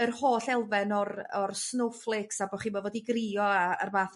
yr holl elfen o'r o'r snowflakes a bo' chi bo' fod i grio a a'r fath